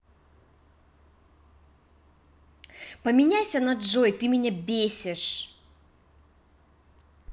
поменяйся на джой ты меня бесишь